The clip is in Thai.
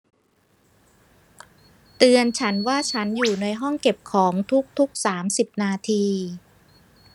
เตือนฉันว่าฉันอยู่ในห้องเก็บของทุกทุกสามสิบนาที